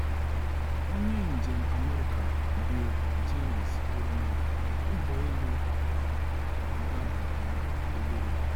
Onye njem America Bill Jaynes kwuru na ụgbọ elu gbadatara obere.